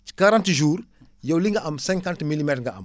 ci quarante jours yow li nga am cinqante milimètre nga am